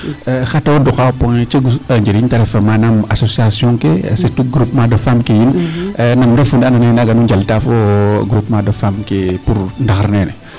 D' accord xatoor duqa o point jegu njeriñ ta ref manaam association ke surtout groupement de femme ke yiin nam refu nee andoona yee naaga nu njaltaa fo groupement de ke pour ndaxar neene?